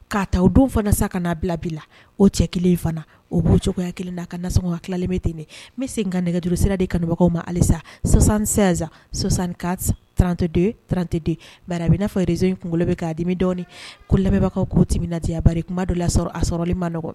K'a ta o don fana sa ka n'a bila bi la o cɛ kelen fana o b' cogoyaya kelen na ka nasɔngɔ ka tilalen bɛ ten de bɛ se ka nɛgɛjuru sira de kanbagaw ma halisa sɔsansɛsan sɔsan ka tranteden tranteden bara a bɛna n'a fɔ yɛrɛre zi in kunkolo bɛ k'a dimidɔ ko labɛnbagawkaw ko ti minna na diyaya bari kumaba dɔ y'a sɔrɔ a sɔrɔli ma nɔgɔ